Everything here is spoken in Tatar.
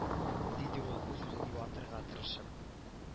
Диде ул үз-үзен юатырга тырышып